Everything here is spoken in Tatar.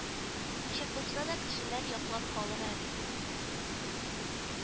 Ничек булса да кешеләр яклап калыр әле